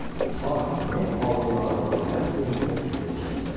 Хат нәкъ «Авылга, бабайга» дигән кебек килеп чыкты.